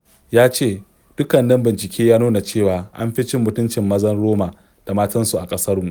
Ya ce: Dukkanin bincike ya nuna cewa an fi cin mutuncin mazan Roma da matansu a ƙasarmu.